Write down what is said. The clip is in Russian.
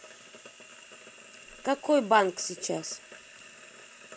какой банк сейчас